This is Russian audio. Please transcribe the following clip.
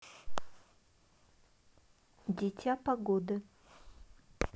дитя погоды